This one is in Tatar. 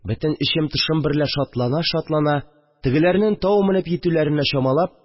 Бөтен эчем-тышым берлә шатлана-шатлана, тегеләрнең тау менеп җитүләрене чамалап